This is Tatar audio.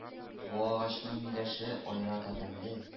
Бу агачның миләше аерата тәмле